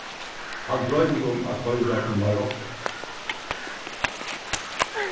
hann droymir um at koyra í marokko